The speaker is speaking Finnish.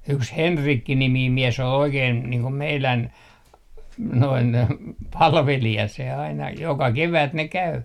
yksi Henrikki niminen mies oli oikein niin kuin meidän noin palvelija se aina joka kevät ne käy